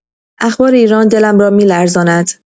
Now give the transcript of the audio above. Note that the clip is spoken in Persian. اخبار ایران دلم را می‌لرزاند.